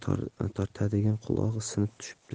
tortadigan qulog'i sinib tushibdi